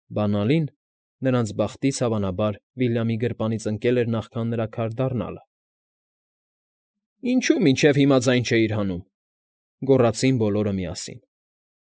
Բանալին, նրանց բախտից, հավանաբար, Վիլյամի գրպանից ընկել էր նախքան նրա քար դառնալը։ ֊ Ինչո՞ւ մինչև հիմա ձայն չէիր հանում,֊ գոռացին բոլորը միասին։